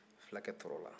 fulakɛ tɔɔrɔ la